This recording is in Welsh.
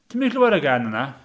Ti'm 'di clywed y gân 'na?